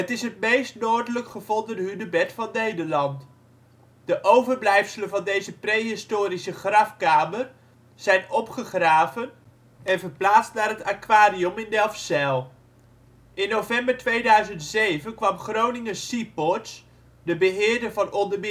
is het meest noordelijk gevonden hunebed van Nederland. De overblijfselen van deze prehistorische grafkamer zijn opgegraven en verplaatst naar het Aquariom in Delfzijl. In november 2007 kwam Groningen Seaports, de beheerder van onder